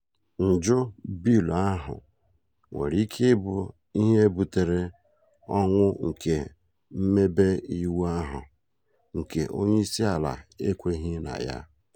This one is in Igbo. Njụ bịịlụ ahụ nwere ike ịbụ ihe butere ọnwụ nke mmebe iwu ahu — nke onyeisiala ekweghị na ya.